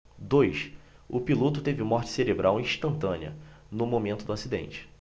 dois o piloto teve morte cerebral instantânea no momento do acidente